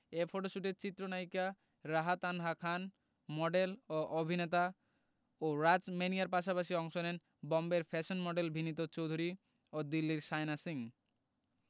এ ফটোশ্যুটে চিত্রনায়িকা রাহা তানহা খান মডেল ও অভিনেতা ও রাজ ম্যানিয়ার পাশাপাশি অংশ নেন বোম্বের ফ্যাশন মডেল ভিনিত চৌধুরী ও দিল্লির শায়না সিং